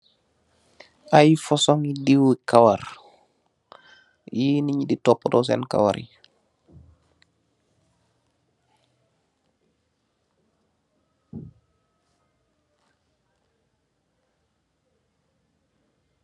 Aye fashion diwi kawar, yii ninyi di topotoo sen kawar yi.